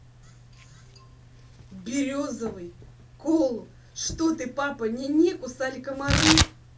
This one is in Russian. березовый колу что ты папа не не кусали комары